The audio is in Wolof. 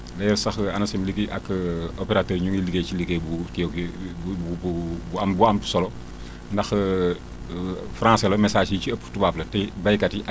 d' ailleurs sax ANACIM liggé ak opérateur yi ñu ngi liggéey ci liggéey bu kii bu bu bu bu am bu am solo ndax français la messages yu ci ëpp tubaab la te béykat yi ak